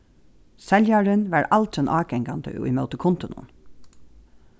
seljarin var aldrin ágangandi ímóti kundunum